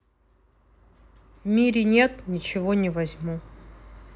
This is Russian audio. в мире нет ничего не возьму